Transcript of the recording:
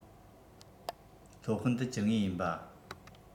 སློབ དཔོན ཏུ གྱུར ངེས ཡིན པ